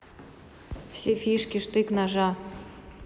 все фишки штык ножа